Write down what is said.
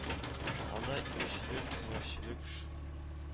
Анда игенчелек, һөнәрчелек ш